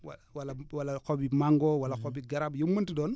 wa wala xobi mango wala xobi garab yu mu mënti doon